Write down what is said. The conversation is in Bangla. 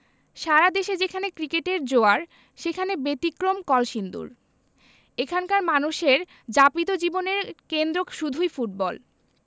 সারা দেশে যেখানে ক্রিকেটের জোয়ার সেখানে ব্যতিক্রম কলসিন্দুর এখানকার মানুষের যাপিত জীবনের কেন্দ্র শুধুই ফুটবল